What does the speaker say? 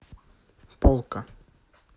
полка